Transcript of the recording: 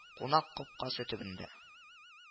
Кунак капкасы төбендә